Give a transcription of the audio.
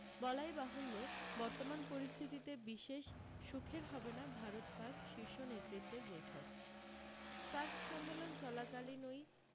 বলাই বাহুল্য বর্তমান পরিস্থিতিতে বিশেষ সুখের হবে না ভারত পাক শীর্ষ নেতৃত্বের বৈঠক সার্ক সম্মেলন চলাকালীনৈ